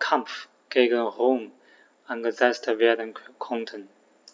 Kampf gegen Rom eingesetzt werden konnten.